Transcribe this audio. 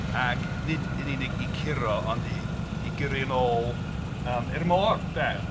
Ac nid yn unig eu curo, ond eu gyrru yn ôl ymm i'r môr 'de.